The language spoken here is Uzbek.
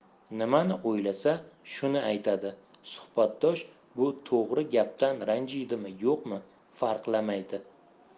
nimani o'ylasa shuni aytadi suhbatdosh bu to'g'ri gapdan ranjiydimi yo'qmi farqlamaydi